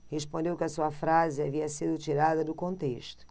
respondeu que a sua frase havia sido tirada do contexto